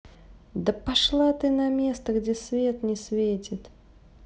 да пошла ты место где свет не светит